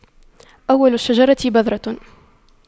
أول الشجرة بذرة